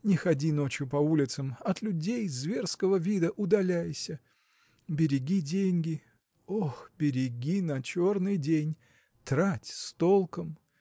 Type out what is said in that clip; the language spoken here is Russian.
Не ходи ночью по улицам; от людей зверского вида удаляйся. Береги деньги. ох, береги на черный день! Трать с толком.